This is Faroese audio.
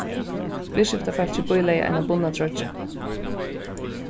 viðskiftafólkið bílegði eina bundna troyggju